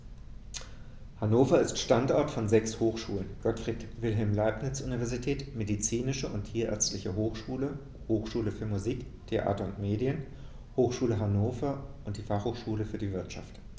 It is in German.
Hannover ist Standort von sechs Hochschulen: Gottfried Wilhelm Leibniz Universität, Medizinische und Tierärztliche Hochschule, Hochschule für Musik, Theater und Medien, Hochschule Hannover und die Fachhochschule für die Wirtschaft.